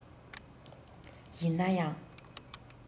ཡིན ན ཡང